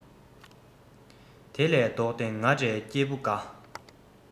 དེ ལས ལྡོག སྟེ ང འདྲའི སྐྱེས བུ འགས